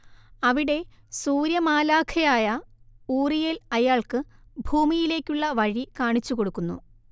അവിടെ സൂര്യമാലാഖയായ ഊറിയേൽ അയാൾക്ക് ഭൂമിയിലേയ്ക്കുള്ള വഴി കാണിച്ചുകൊടുക്കുന്നു